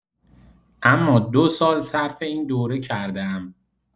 اما دو سال صرف این دوره کرده‌ام.